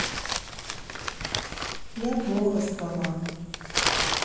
я плохо спала